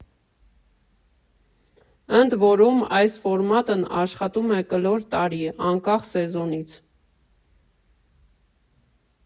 Ընդ որում, այս ֆորմատն աշխատում է կլոր տարի, անկախ սեզոնից.